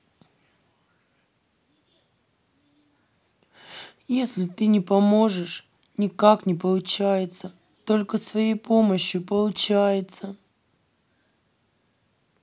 если ты не поможешь никак не получается только своей помощью получается